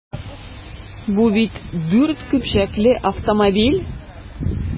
Бу бит дүрт көпчәкле автомобиль!